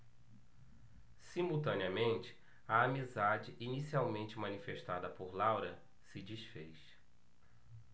simultaneamente a amizade inicialmente manifestada por laura se disfez